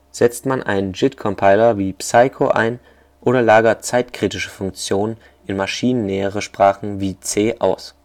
setzt man einen JIT-Compiler wie Psyco ein oder lagert zeitkritische Funktionen in maschinennähere Sprachen wie C aus